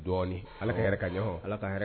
Dɔɔnnin ,Ala ka hɛrɛ k'an ye o, Ala ka